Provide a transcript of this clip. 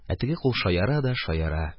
Ә теге кул шаяра да шаяра.